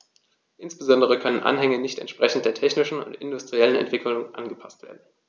Insbesondere können Anhänge nicht entsprechend der technischen und industriellen Entwicklung angepaßt werden.